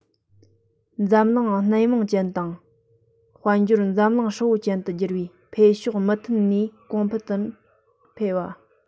འཛམ གླིང སྣེ མང ཅན དང དཔལ འབྱོར འཛམ གླིང ཧྲིལ པོ ཅན དུ འགྱུར བའི འཕེལ ཕྱོགས མུ མཐུད ནས གོང དུ འཕེལ བ